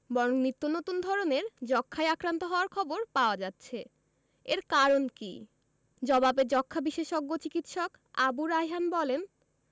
বরং নিত্যনতুন ধরনের যক্ষ্মায় আক্রান্ত হওয়ার খবর পাওয়া যাচ্ছে এর কারণ কী জবাবে যক্ষ্মা বিশেষজ্ঞ চিকিৎসক আবু রায়হান বলেন